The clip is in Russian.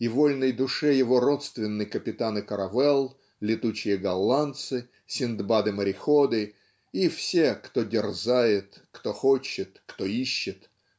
и вольной душе его родственны капитаны каравелл Летучие голландцы Синдбады-мореходы и все "кто дерзает кто хочет кто ищет